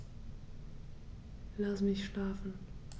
Lass mich schlafen